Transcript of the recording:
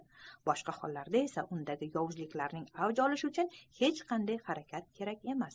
boshqa hollarda esa undagi yovuzliklarning avj olishi uchun hech qanday harakat kerak emas